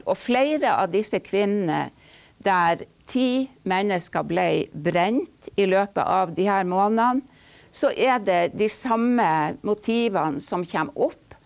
og flere av disse kvinnene, der ti mennesker ble brent i løpet av de her månedene, så er det de samme motivene som kjem opp.